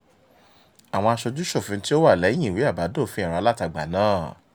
Àwọn aṣojú-ṣòfin tí ó wà lẹ́yìn ìwé àbádòfin ẹ̀rọ alátagbà náà